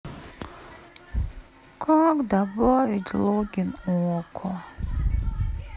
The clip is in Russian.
как добавить логин окко